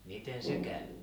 miten se kävi